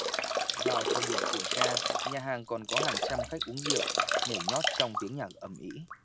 vào thời điểm kiểm tra nhà hàng còn có hàng trăm khách uống rượu nhảy nhót trong tiếng nhạc ầm ĩ